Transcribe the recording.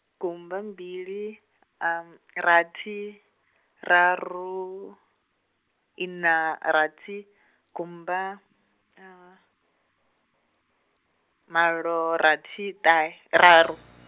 gumba mbili, rathi, raru, ina rathi gumba, malo, rathi ṱahe raru.